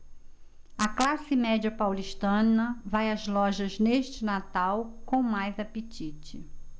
a classe média paulistana vai às lojas neste natal com mais apetite